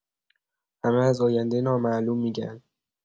همه از آینده نامعلوم می‌گن.